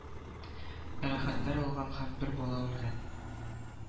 Әрәхәтләр алган һәм бер бала үлгән